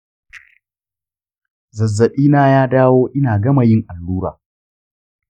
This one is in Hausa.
zazzaɓi na ya dawo ina gama yin allura.